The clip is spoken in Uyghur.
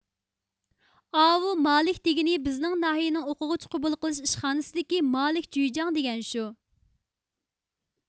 ئاۋۇ مالىك دىگىنى بىزنىڭ ناھىينىڭ ئۇقۇغۇچى قۇبۇل قىلىش ئىشخانىسدىكى مالىك جۇيجاڭ دىگەن شۇ